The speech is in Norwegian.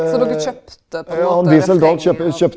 så dokker kjøpte på ein måte refrenget av.